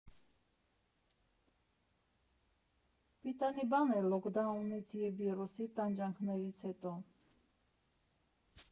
Պիտանի բան է լոքդաունից և վիրուսի տանջանքներից հետո։